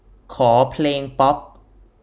ขอเพลงป๊อป